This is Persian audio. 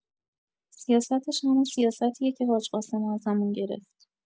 سیاستش همون سیاستیه که حاج قاسمو ازمون گرفت